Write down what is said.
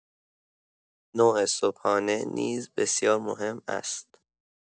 نوع صبحانه نیز بسیار مهم است.